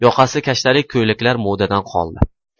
yoqasi kashtalik ko'ylaklar modadan qoldi